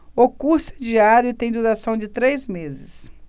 o curso é diário e tem duração de três meses